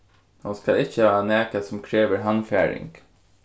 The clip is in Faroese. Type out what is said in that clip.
hon skal ikki hava nakað sum krevur handfaring